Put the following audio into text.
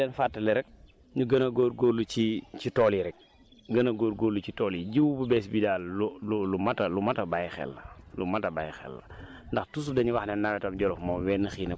waaw waaw ñi may seqal liggéey bi de xanaa di leen fàttali rek ñu gën a góorgóorlu ci ci tool yi rek gën a góorgóorlu ci tool yi jiw bu bees bi daal lu lu mot a bàyyi xel la lu mot a bàyyi xel la